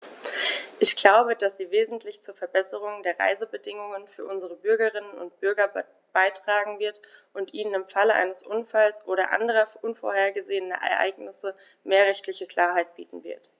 Ich glaube, dass sie wesentlich zur Verbesserung der Reisebedingungen für unsere Bürgerinnen und Bürger beitragen wird, und ihnen im Falle eines Unfalls oder anderer unvorhergesehener Ereignisse mehr rechtliche Klarheit bieten wird.